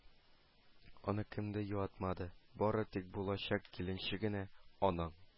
Аны кем дә юатмады, бары тик булачак килене генә, аның